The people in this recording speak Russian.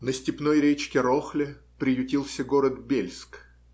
На степной речке Рохле приютился город Бельск.